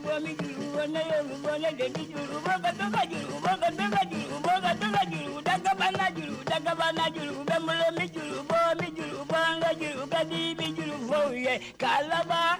Jjj jurujj daba laj da kaba laj bɛ malomɛ juru bɛj juru bakaj ka bɛ jurufa ye ka laban